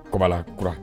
Kɔbala kura